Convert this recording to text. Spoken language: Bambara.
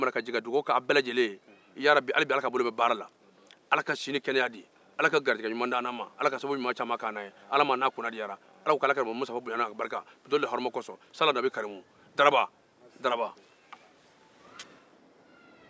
ka jɛ ka dugawu ke a' bɛe lajɛlen ye ala k'a bolo mɛn baara la la si ni kɛnɛya di ka garijɛge ɲuman d'an ma ala m'an kunna diyara dalaba dalaba dalaba